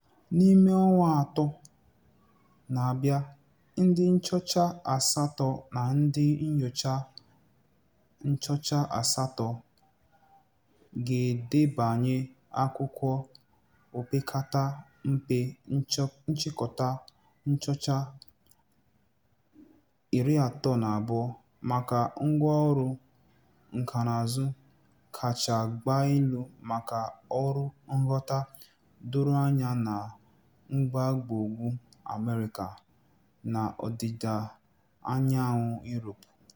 N'ime ọnwa atọ na-abịa, ndị nchọcha asatọ na ndị nnyocha nchọcha asatọ ga-edebanye akwụkwọ opekata mpe nchịkọta nchọcha 32 maka ngwáọrụ nkànaụzụ kacha gba elu maka ọrụ nghọta doro anya na mgbagougwu America na Odịdaanyanwụ Europe.